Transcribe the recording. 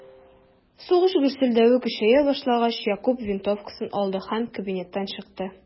Сугыш гөрселдәве көчәя башлагач, Якуб винтовкасын алды һәм кабинеттан чыкты.